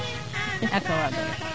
aka waago ref